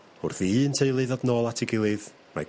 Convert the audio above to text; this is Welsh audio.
Wrth i un teulu ddod nôl at ei gilydd mae...